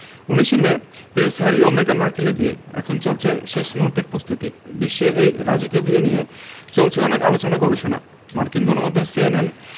১৯ May prince Harry ও মেগান মার্কেলের বিয়ে এখন চলছে শেষ মুহূর্তের প্রস্তুতি বিশ্বে এই রাজকীয় বিয়ে নিয়ে চলছে অনেক আলোচনা গবেষণা মার্কিন গণমাধ্যম সিএনএন